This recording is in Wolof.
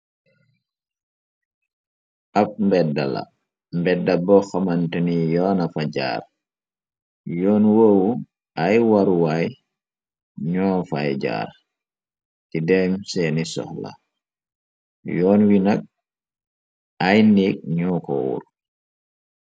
Ab mbeddala mbedda bo xamante ni yoona fa jaar yoon wëewu ay waruwaay ñoo fay jaar ti dem seeni sox la yoon wi nag ay néek ñoo ko wuur.